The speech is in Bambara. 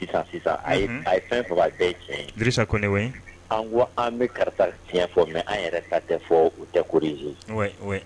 Sisan sisan a ye fɛn o fɛn fɔ a bɛ ye tiɲɛ ye, Dirisa Kɔnɛ ouais an ko an bɛ karisa fiɲɛ fɔ, mais an yɛrɛ ta tɛ fɔ o tɛ corriger ouais ouais